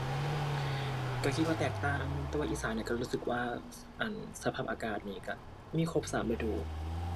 ก็คิดว่าแตกต่างแต่ว่าอีสานนี่ก็รู้สึกว่า อั่น สภาพอากาศนี่ก็มีครบสามฤดู